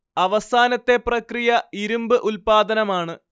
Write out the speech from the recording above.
അവസാനത്തെ പ്രക്രിയ ഇരുമ്പ് ഉൽപാദനമാണ്